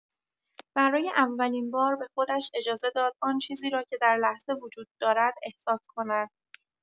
برای اولین بار به خودش اجازه داد آن چیزی را که در لحظه وجود دارد احساس کند.